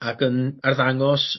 ag yn arddangos